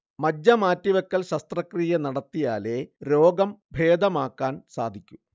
മജ്ജ മാറ്റിവെക്കൽ ശസ്ത്രക്രിയ നടത്തിയാലേ രോഗം ഭേദമാക്കാൻ സാധിക്കൂ